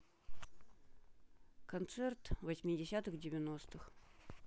концерт восьмидесятых девяностых